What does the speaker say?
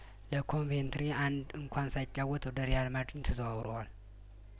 ለኮቬንትሪ አንዴ እንኳን ሳይጫወት ወደ ሪያል ማድሪድ ተዘዋውሯል